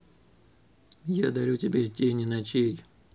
я дарю тебе тени ночей